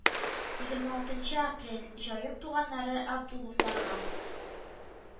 Егерме алтынчы апрель, җаек туганнары абдуловларга